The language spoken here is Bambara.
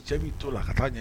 Cɛ b'i to la a ka taa ɲɛ